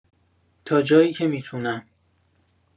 تا جایی که می‌تونم